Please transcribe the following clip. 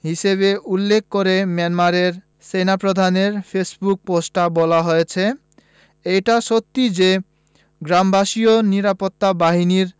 হিসেবে উল্লেখ করে মিয়ানমারের সেনাপ্রধানের ফেসবুক পোস্টে বলা হয়েছে এটা সত্য যে গ্রামবাসী ও নিরাপত্তা বাহিনীর